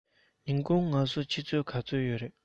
ཉིན གུང ངལ གསོ ཆུ ཚོད ག ཚོད ཡོད རས